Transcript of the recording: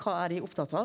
kva er dei opptatt av?